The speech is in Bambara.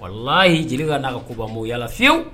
Wala y'i jelikɛ ka n'a ka ko banbo yalala fiyewu